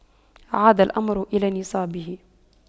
عاد الأمر إلى نصابه